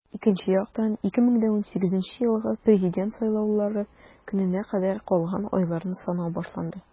Икенче яктан - 2018 елгы Президент сайлаулары көненә кадәр калган айларны санау башланды.